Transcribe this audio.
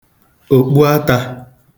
òkpuatā